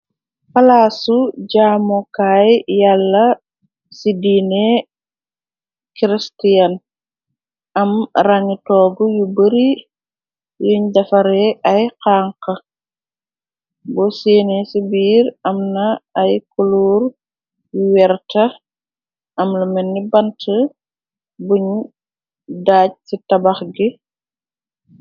Falaasu jaamokaay yàlla ci diinee christian ,am rañ toog yu bari yuñ dafare ay xank, bo seeni ci biir am na ay koloor yu werta, amla menni bant buñ daaj ci tabax gi.